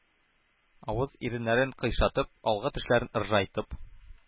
Авыз-иреннәрен кыйшайтып, алгы тешләрен ыржайтып